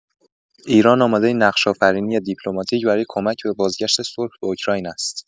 ایران آماده نقش‌آفرینی دیپلماتیک برای کمک به بازگشت صلح به اوکراین است.